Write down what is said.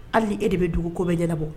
Hali e de bɛ dugu ko bɛ ɲɛnabɔ